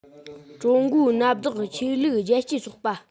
ཀྲུང གོའི གནམ བདག ཆོས ལུགས རྒྱལ གཅེས ཚོགས པ